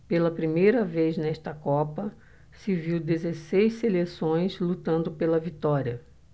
pela primeira vez nesta copa se viu dezesseis seleções lutando pela vitória